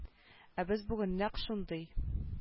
Ә без бүген нәкъ шундый